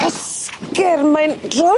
Esgyrn mae'n drwm!